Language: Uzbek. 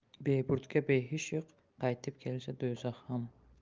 beburdga behisht yo'q qaytib kelsa do'zax ham